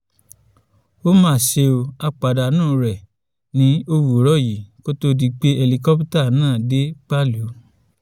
Ó mà ṣe o, a pàdánù rẹ̀ ní òwúrọ̀ yìí kí ó tó di pé hẹlikópítà náà dé Palu.